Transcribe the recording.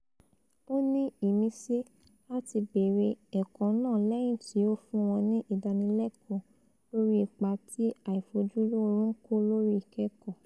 Ó ní ìmísí láti bẹ̀rẹ̀ ẹ̀kọ́ náà lẹ́yìn tí ó fún wọn ní ìdánilẹ́kọ̀ọ́ lórí ipa tí àìfójúlóoorun ń kó lórí ìkẹ́kọ̀ọ́.